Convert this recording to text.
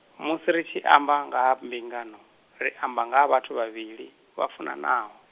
musi ri tshi amba nga ha mbingano, ri amba nga ha vhathu vhavhili, vha funanaho.